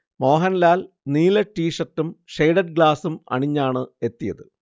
മോഹൻലാൽ നീല ടീഷർട്ടും ഷെയ്ഡഡ് ഗ്ലാസും അണിഞ്ഞാണ് എത്തിയത്